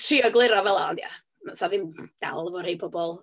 Trio egluro fela, ond ia, 'sa ddim dal efo rhai pobl.